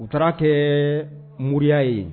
U taara kɛɛ moriya ye yen